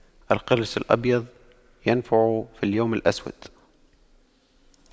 القرش الأبيض ينفع في اليوم الأسود